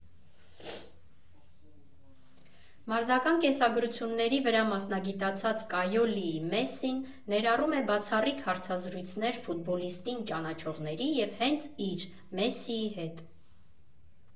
Մարզական կենսագրությունների վրա մասնագիտացած Կայոլիի «Մեսսին» ներառում է բացառիկ հարցազրույցներ ֆուտբոլիստին ճանաչողների և հենց իր՝ Մեսսիի հետ։